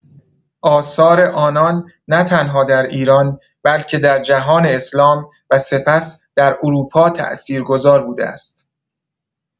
آثار آنان نه‌تنها در ایران، بلکه در جهان اسلام و سپس در اروپا تأثیرگذار بوده است.